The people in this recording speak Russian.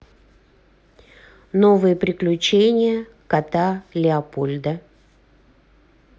новые приключения кота леопольда